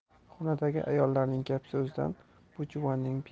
xonadagi ayollarning gap so'zidan bu juvonning